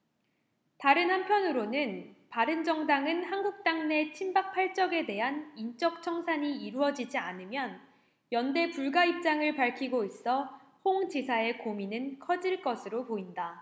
다른 한편으로는 바른정당은 한국당내 친박 팔 적에 대한 인적청산이 이뤄지지 않으면 연대 불가 입장을 밝히고 있어 홍 지사의 고민은 커질 것으로 보인다